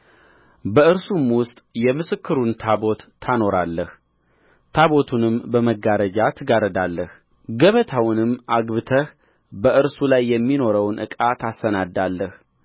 በእርሱም ውስጥ የምስክሩን ታቦት ታኖራለህ ታቦቱንም በመጋረጃ ትጋርዳለህ ገበታውንም አግብተህ በእርሱ ላይ የሚኖረውን ዕቃ ታሰናዳለህ